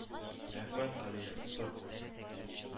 Рәхмәт, Алия, утыр